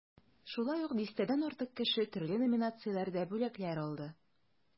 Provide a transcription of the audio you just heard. Шулай ук дистәдән артык кеше төрле номинацияләрдә бүләкләр алды.